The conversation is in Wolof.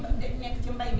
mën a nekk di ci mbay mi